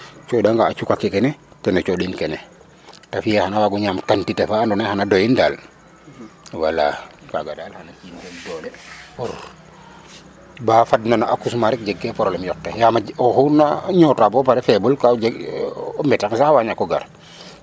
O cooɗanga a cuk ake kene ten o cooɗin kene ta fi'ee xan a waag o ñaam quantité fa andoona yee xan a doyin daal wala kaaga daal xan a ci'in doole ba fadna na accouchement rek jegkee problème yoq ke yaam o xu na ñota rek faible ka o jeg o metax sax a waa ñak o gar.